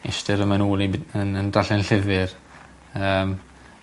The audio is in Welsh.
isite ar ym men ôl i'n d- yn yn darllen llyfyr. Yym.